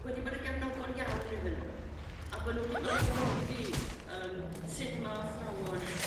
wedi bod yn gefnogol iawn iddyn nhw a bo' nhw 'di gwerthfawrogi yrm sud ma' 'thrawon